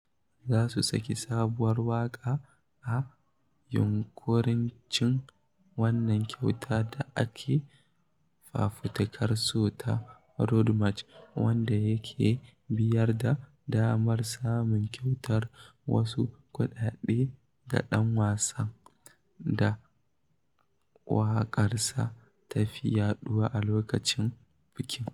Za su saki sabuwar waƙa a yunƙurin cin wannan kyautar da ake fafutukar so ta Road March wanda yake bayar da damar samun kyautar wasu kuɗaɗe ga ɗan wasan da waƙarsa ta fi yaɗuwa a lokacin bikin.